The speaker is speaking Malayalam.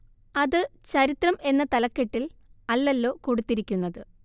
അത് ചരിത്രം എന്ന തലക്കെട്ടില്‍ അല്ലല്ലോ കൊടുത്തിരിക്കുന്നത്